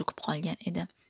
qolgan edi